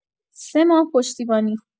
۳ ماه پشتیبانی